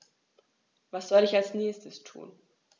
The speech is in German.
Was soll ich als Nächstes tun?